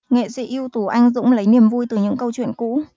nghệ sỹ ưu tú anh dũng lấy niềm vui từ những câu chuyện cũ